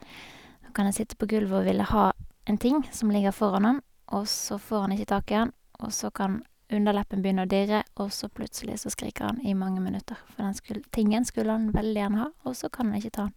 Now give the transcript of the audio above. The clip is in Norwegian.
Nå kan han sitte på gulvet og ville ha en ting som ligger foran han, og så får han ikke tak i han, og så kan underleppen begynne å dirre, og så plutselig så skriker han i mange minutter fordi han skull tingen skulle han veldig gjerne ha, og så kan han ikke ta han.